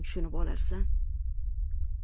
tushunib olarsan